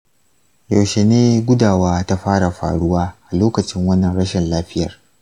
yaushe ne gudawa ta fara faruwa a lokacin wannan rashin lafiyar?